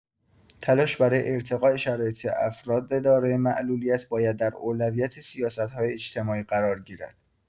تلاش برای ارتقاء شرایط افراد دارای معلولیت باید در اولویت سیاست‌های اجتماعی قرار گیرد.